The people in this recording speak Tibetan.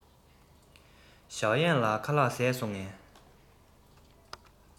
ཞའོ གཡན ཁ ལག བཟས སོང ངས